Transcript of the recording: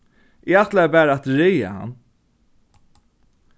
eg ætlaði bara at ræða hann